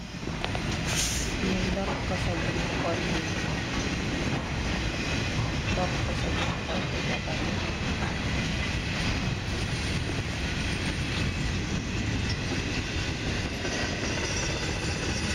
LI ndaru kasu bu ñu xoli la, ndaru kasu buñu xoli babare.